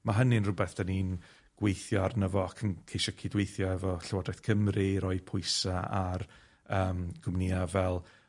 ma' hynny'n rwbeth 'dyn ni'n weithio arno fo a yn ceisio cydweithio efo Llywodraeth Cymru i roi pwysa' ar yym cwmnia fel